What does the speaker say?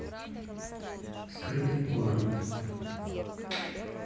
скрытый порно